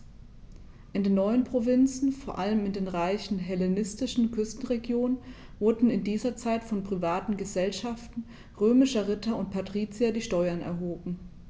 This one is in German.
In den neuen Provinzen, vor allem in den reichen hellenistischen Küstenregionen, wurden in dieser Zeit von privaten „Gesellschaften“ römischer Ritter und Patrizier die Steuern erhoben.